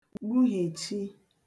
gbuhèchi